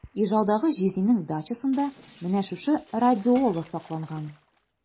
Ижаудагы җизнинең дачасында менә шушы радиола сакланган.